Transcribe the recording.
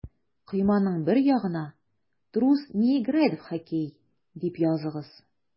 Койманың бер ягына «Трус не играет в хоккей» дип языгыз.